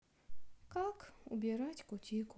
как убирать кутикулу